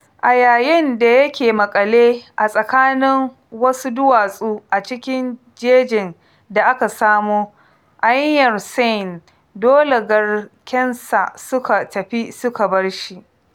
A yayin da yake maƙale a tsakanin wasu duwatsu a cikin jejin da aka samo Ayeyar sein, dole garkensa suka tafi suka bar shi.